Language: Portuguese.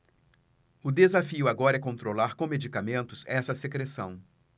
o desafio agora é controlar com medicamentos essa secreção